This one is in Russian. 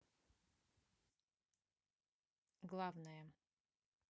главная